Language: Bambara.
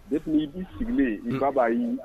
Depuis ni i' sigilen, un, i ka